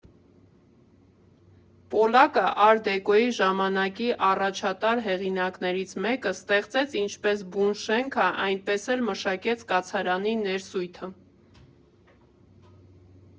Պոլակը՝ ար֊դեկոյի՝ ժամանակի առաջատար հեղինակներից մեկը, ստեղծեց ինչպես բուն շենքը, այնպես էլ մշակեց կացարանի ներսույթը.